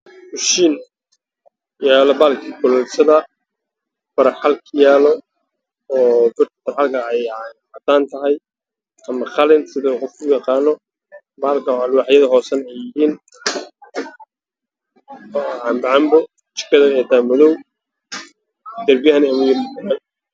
Meeshan waa qol yaalo kushiin ah oo t v u yaalo